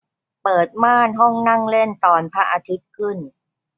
เปิดม่านห้องนั่งเล่นตอนพระอาทิตย์ขึ้น